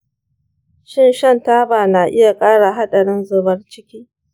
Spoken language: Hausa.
shin shan taba na iya ƙara haɗarin zubar ciki?